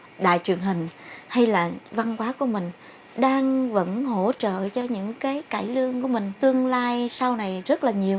đài truyền hình hay là văn hóa của mình đang vẫn hỗ trợ cho những cái cải lương của mình tương lai sau này rất là nhiều